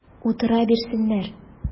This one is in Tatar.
Утыра бирсеннәр!